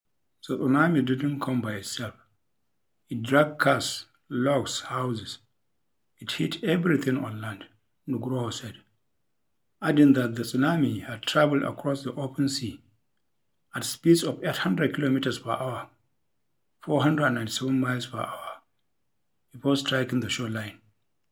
"The tsunami didn't come by itself, it dragged cars, logs, houses, it hit everything on land," Nugroho said, adding that the tsunami had traveled across the open sea at speeds of 800 kph (497 mph) before striking the shoreline.